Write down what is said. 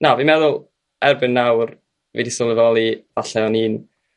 na fi'n meddwl erbyn nawr fi 'di sylweddoli falle oni'n